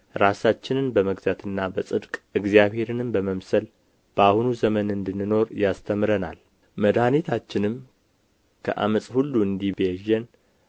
ራሳችንን በመግዛትና በጽድቅ እግዚአብሔርንም በመምሰል በአሁኑ ዘመን እንድንኖር ያስተምረናል መድኃኒታችንም ከዓመፅ ሁሉ እንዲቤዠን